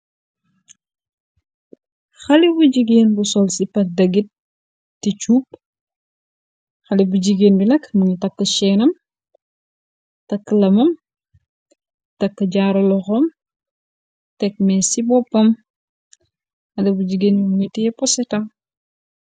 Xalèh bu jigeen bu sol sipa ak dagit ti cuub xalèh bu jigéen bi nak mugii takka cèèn nam takka lamam takka jaru loxom tèk més ci bópam xalèh bu jigéen bu ñgi teyeh posetam.